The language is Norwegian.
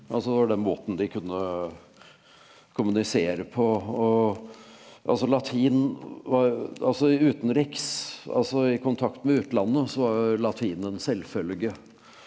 altså det var den måten de kunne kommunisere på og altså latin var altså i utenriks altså i kontakt med utlandet så var jo latin en selvfølge.